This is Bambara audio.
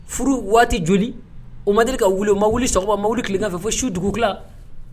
Furu waati joli o ma deli ka wuli mabiliba mabili tileganfɛ fo su dugula